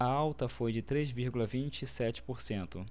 a alta foi de três vírgula vinte e sete por cento